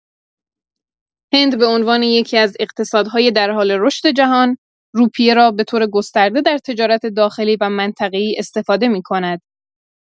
هند به‌عنوان یکی‌از اقتصادهای در حال رشد جهان، روپیه را به‌طور گسترده در تجارت داخلی و منطقه‌ای استفاده می‌کند.